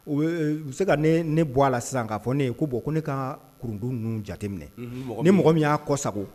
U bɛ se ka ne bɔ a la sisan k'a fɔ ne ye ko bɔn ko ne ka kurun dun ninnu jateminɛ ni mɔgɔ min y'a kɔ sago